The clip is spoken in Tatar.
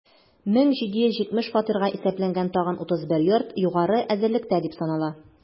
1770 фатирга исәпләнгән тагын 31 йорт югары әзерлектә дип санала.